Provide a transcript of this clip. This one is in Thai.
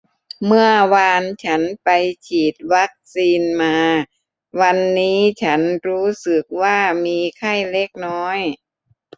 เมื่อวานฉันไปฉีดวัคซีนมาวันนี้ฉันรู้สึกว่ามีไข้เล็กน้อย